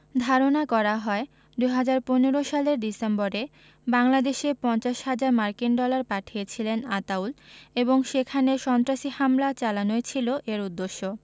ধারণা করা হয় ২০১৫ সালের ডিসেম্বরে বাংলাদেশে ৫০ হাজার মার্কিন ডলার পাঠিয়েছিলেন আতাউল এবং সেখানে সন্ত্রাসী হামলা চালানোই ছিল এর উদ্দেশ্য